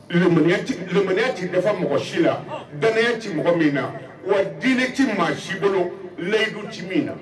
Mya ci nafa mɔgɔ si la bɛnya ci mɔgɔ min na wa diinɛ ci maa si bolo layidu ci min na